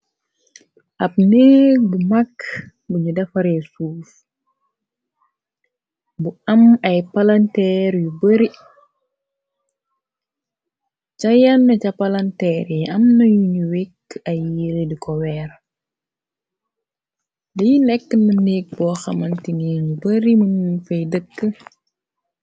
Ab neeg bu mak buñu defaree suuf bu am ay palanteer yu bari ca yann ca palanteer yi am na yuñu wekk ay yeere di ko weera liy nekk na neeg boo xamanti nie nu bari mun fay dëkk.